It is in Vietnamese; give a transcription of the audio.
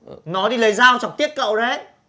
nó đi lấy dao chọc tiết cậu đấy